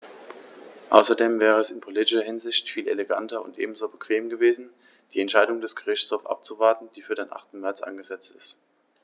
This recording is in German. Außerdem wäre es in politischer Hinsicht viel eleganter und ebenso bequem gewesen, die Entscheidung des Gerichtshofs abzuwarten, die für den 8. März angesetzt ist.